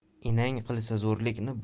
enang qilsa zo'rlikni